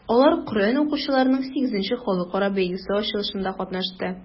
Алар Коръән укучыларның VIII халыкара бәйгесе ачылышында катнашты.